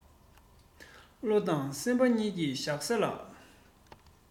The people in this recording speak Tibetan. བློ དང སེམས པ གཉིས ཀྱི བཞག ས ལ